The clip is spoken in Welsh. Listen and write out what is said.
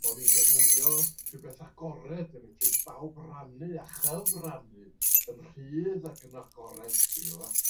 bo' ni'n defnyddio rhywbeth agored y medrith bawb rannu a chyfrannu yn rhydd ac yn agored ti gwbo?